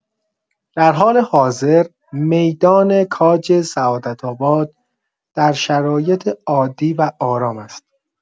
در حال حاضر میدان کاج سعادت‌آباد در شرایط عادی و آرام است.